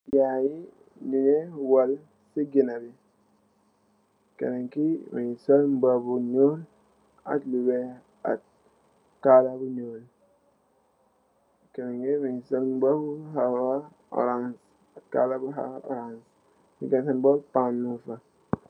Janha yii nungeh wohl cii gehnah bii, kenen kii mungy sol mbuba bu njull ak lu wekh ak kaarlar bu njull, kenen kii mungy sol mbuba bu hawah ohrance ak kaarlar bu hawah ohrance, cii gai sen bopu taa bu mung fa.